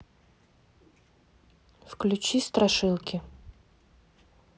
включи страшилки